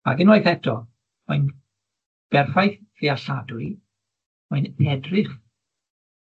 Ac unwaith eto, mae'n berffaith dealladwy, mae'n edrych